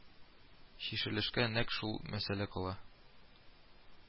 Чишелешкә, нәкъ шул мәсьәлә кала